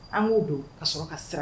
An k'o don ka sɔrɔ ka siran